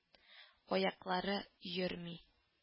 Аяклары йөрми